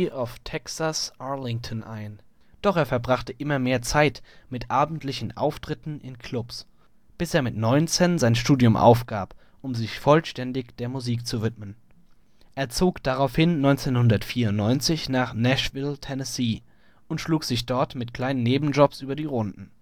of Texas-Arlington ein, doch er verbrachte immer mehr Zeit mit abendlichen Auftritten in Clubs, bis er mit 19 sein Studium aufgab, um sich vollständig der Musik zu widmen. Er zog daraufhin 1994 nach Nashville, Tennessee und schlug sich dort mit kleinen Nebenjobs über die Runden